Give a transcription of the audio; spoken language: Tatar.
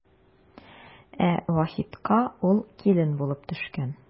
Ә Вахитка ул килен булып төшкән.